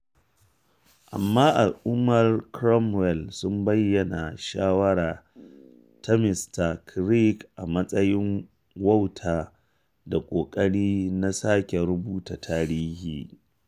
Amma Al’ummar Cromwell sun bayyana shawarar ta Mista Crick a matsayin “wauta” da “ƙoƙari na sake rubuta tarihi.”